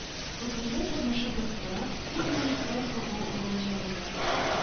Бүгенге тормышыбызда күпме икән соң ул олы җанлы,